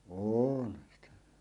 olenhan sitä